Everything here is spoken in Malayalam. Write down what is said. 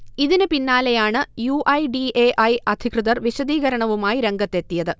ഇതിന് പിന്നാലെയാണ് U. I. D. A. I. അധികൃർ വിശദീകരണവുമായി രംഗത്തെത്തിയത്